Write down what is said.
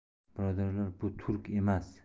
birodarlar bu turk emas